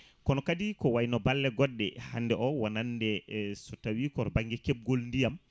kono kadi ko wayno balle goɗɗe hande o wonande so tawi koto banggue kebgol ndiyam